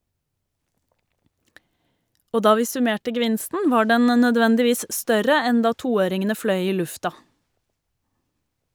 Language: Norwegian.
Og da vi summerte gevinsten var den nødvendigvis større enn da toøringene fløy i lufta.